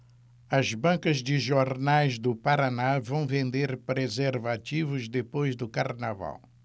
as bancas de jornais do paraná vão vender preservativos depois do carnaval